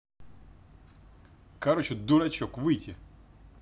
короче дурачок выйти